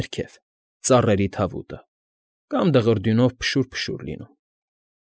Ներքև, ծառերի թավուտը, կամ դղրդյունով փշուր֊փշուր լինում։